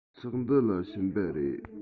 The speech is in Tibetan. ཚོགས འདུ ལ ཕྱིན པ རེད